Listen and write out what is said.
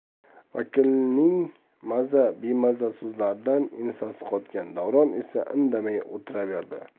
vakilning maza bemaza so'zlaridan ensasi qotgan davron esa indamay o'tiraverdi